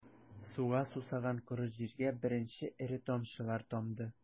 Суга сусаган коры җиргә беренче эре тамчылар тамды...